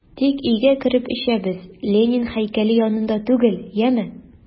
Тик өйгә кереп эчәбез, Ленин һәйкәле янында түгел, яме!